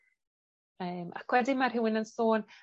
Yym ac wedyn ma' rhywun yn sôn